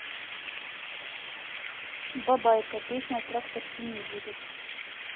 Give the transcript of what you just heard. бабайка песня трактор синий едет